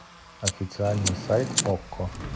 официальный сайт окко